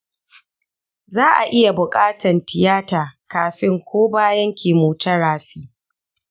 za'a iya buƙatan tiyata kafin ko bayan chemotherapy.